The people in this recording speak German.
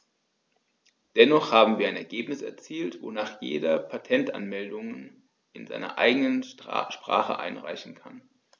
Dennoch haben wir ein Ergebnis erzielt, wonach jeder Patentanmeldungen in seiner eigenen Sprache einreichen kann.